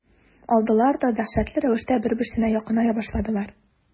Алдылар да дәһшәтле рәвештә бер-берсенә якыная башладылар.